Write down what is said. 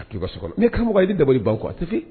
A ko iba so la ne karamɔgɔ i bɛ dabali ba kuwa a tɛ